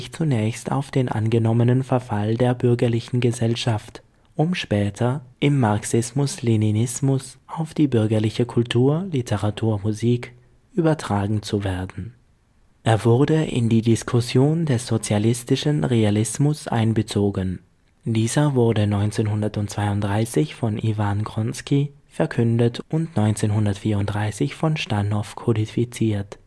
zunächst auf den angenommenen Verfall der bürgerlichen Gesellschaft, um später – im Marxismus-Leninismus – auf die bürgerliche Kultur – Literatur und Musik – übertragen zu werden. Er wurde in die Diskussion des sozialistischen Realismus’ einbezogen. Dieser wurde 1932 von Iwan Gronskij verkündet und 1934 von Schdanow kodifiziert